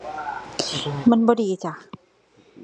มันบ่ดีจ้ะ